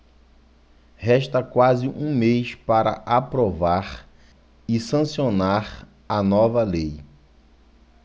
resta quase um mês para aprovar e sancionar a nova lei